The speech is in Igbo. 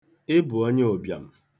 Ị bụ onye ụbịam.